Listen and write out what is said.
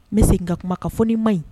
N bi segin n ka kuma ka fɔ ni n man ɲi.